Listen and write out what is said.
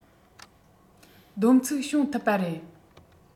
བསྡོམས ཚིག བྱུང ཐུབ པ རེད